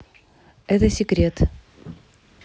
это секрет